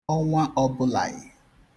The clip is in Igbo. ọnwa ọbụlàghị̀